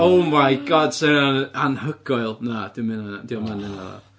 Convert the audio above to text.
Oh my God, 'sa hynna'n an- anhygoel. Na, dim hynna diom yn wneud hynna na.